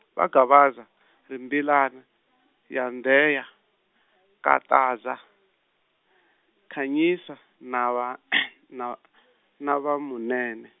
va Gavaza, Rimbilana, Yandheya, Khataza, Khanyisa na va , na na va Munene.